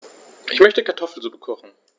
Ich möchte Kartoffelsuppe kochen.